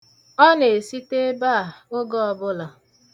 Ọ na-esite ebe a oge ọbụla.